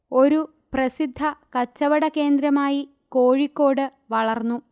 ഒരു പ്രസിദ്ധ കച്ചവട കേന്ദ്രമായി കോഴിക്കോട് വളർന്നു